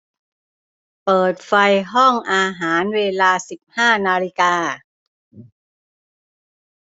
เปิดไฟห้องอาหารเวลาสิบห้านาฬิกา